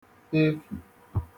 efù